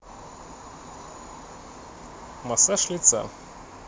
массаж лица